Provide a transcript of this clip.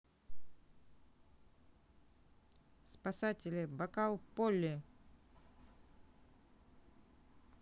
спасатели бокал полли